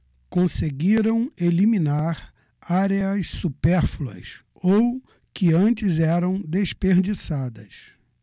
conseguiram eliminar áreas supérfluas ou que antes eram desperdiçadas